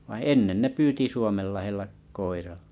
vaan ennen ne pyysi Suomenlahdella koiralla